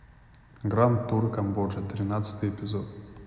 гранд тур камбоджа тринадцатый эпизод